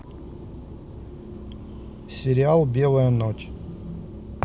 сериал белая ночь